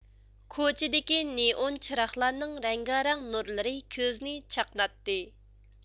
كوچىدىكى نېئون چىراغلارنىڭ رەڭگارەك نۇرلىرى كۆزنى چاقناتتى